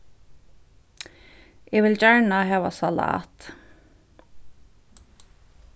eg vil gjarna hava salat